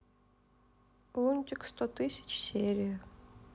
лунтик сто тысяч серия